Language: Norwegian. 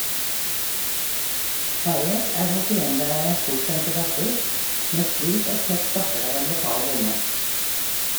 Hayek er haciendaeierens bortskjemte datter, mens Cruz er tøff datter av en lokal bonde.